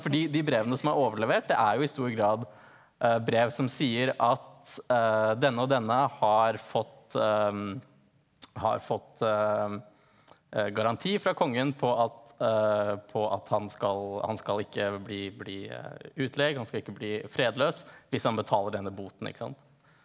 fordi de brevene som er overlevert det er jo i stor grad brev som sier at denne og denne har fått har fått garanti fra kongen på at på at han skal han skal ikke bli bli utlegd han skal ikke bli fredløs hvis han betaler denne boten ikke sant.